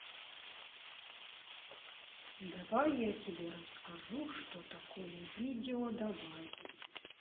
давай я тебе расскажу что такое видео давай